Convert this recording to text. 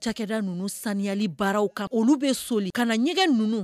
Cakɛda ninnu saniyali baaraw kan olu bɛ so ka na ɲɛgɛn ninnu